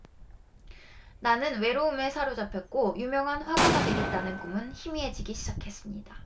나는 외로움에 사로잡혔고 유명한 화가가 되겠다는 꿈은 희미해지기 시작했습니다